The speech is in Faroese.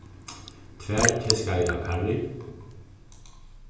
tvær teskeiðir av karry